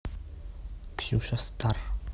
ксюша стар